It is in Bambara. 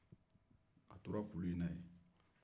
a tora kulu in na yen